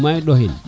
may ɗoxin